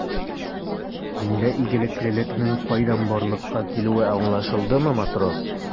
Миндә игелеклелекнең кайдан барлыкка килүе аңлашылдымы, матрос?